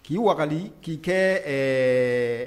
K'i wali k'i kɛ